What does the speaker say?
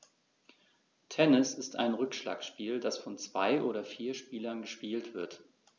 Tennis ist ein Rückschlagspiel, das von zwei oder vier Spielern gespielt wird.